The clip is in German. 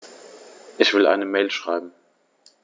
Ich will eine Mail schreiben.